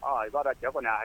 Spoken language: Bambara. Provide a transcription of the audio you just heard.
Aa i b'a dɔn, cɛ kɔnni y'a